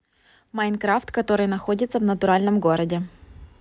minecraft который находится в натуральном городе